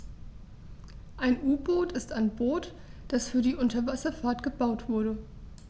Ein U-Boot ist ein Boot, das für die Unterwasserfahrt gebaut wurde.